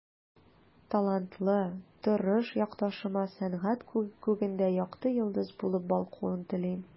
Талантлы, тырыш якташыма сәнгать күгендә якты йолдыз булып балкуын телим.